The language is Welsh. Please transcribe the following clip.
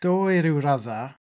Do i ryw raddau.